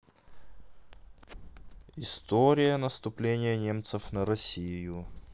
история наступления немцев на россию